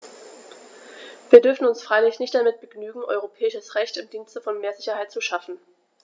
Wir dürfen uns freilich nicht damit begnügen, europäisches Recht im Dienste von mehr Sicherheit zu schaffen.